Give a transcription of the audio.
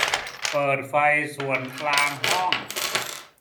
เปิดไฟส่วนกลางห้อง